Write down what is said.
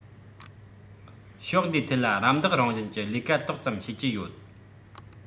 ཕྱོགས འདིའི ཐད ལ རམ འདེགས རང བཞིན གྱི ལས ཀ ཏོག ཙམ བྱེད ཀྱི ཡོད